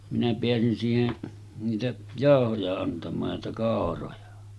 minä pääsin siihen niitä jauhoja antamaan ja niitä kauroja